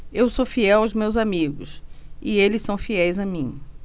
eu sou fiel aos meus amigos e eles são fiéis a mim